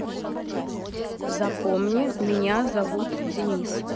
запомни меня денис зовут